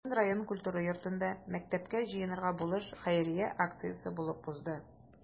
Бүген район культура йортында “Мәктәпкә җыенырга булыш” хәйрия акциясе булып узды.